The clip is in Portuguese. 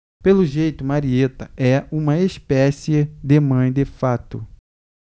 pelo jeito marieta é uma espécie de mãe de fato